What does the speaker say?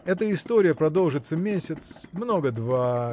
Эта история продолжится месяц, много два.